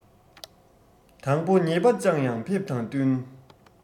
དང པོ ཉེས པ བཅའ ཡང ཕེབས དང བསྟུན